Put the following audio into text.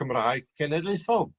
Cymraeg Cenedlaethol.